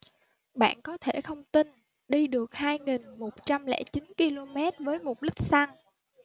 bạn có thể không tin đi được hai nghìn một trăm lẻ chín ki lô mét với một lít xăng